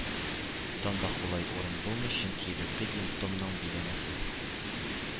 Тан да кулай урын булмый, чөнки элекке детдомның биләмәсе,